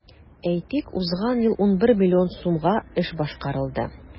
Әйтик, узган ел 11 миллион сумга эш башкарылды.